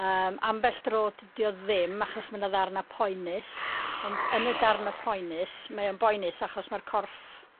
yym ambell dro dydi o ddim achos ma' 'na ddarna poenus. Hmm. On' b- yn y darna poenus mae o'n boenus achos ma'r corff